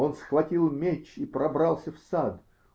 Он схватил меч и пробрался в сад.